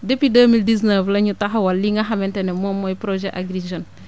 depuis deux mille dix neuf la ñu taxawal li nga xamante ne moom mooy projet Agri Jeunes